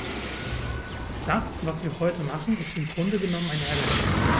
Das, was wir heute machen, ist im Grunde genommen ein Ärgernis.